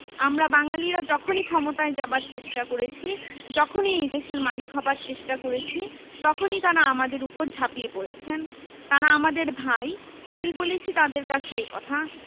আমরা বাঙ্গালীরা যখনই ক্ষমতায় যাবার চেষ্টা করেছি যখনই এ দেশের মালিক হবার চেষ্টা করেছি তখনই তারা আমাদের উপর ঝাঁপিয়ে পড়েছেন তারা আমাদের ভাই আমি বলেছি তাদের কাছে একথা